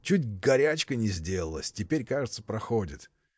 Чуть горячка не сделалась, теперь, кажется, проходит.